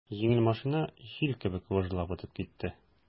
Җиңел машина җил кебек выжлап үтеп китте.